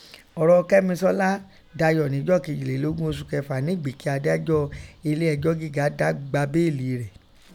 Ọrọ Kẹ́misọ́lá dayọ níjọ kejielogun osù Kẹfà nígbì kí adajọ ele ẹjọ gẹ́ga gba béèlì rẹ̀.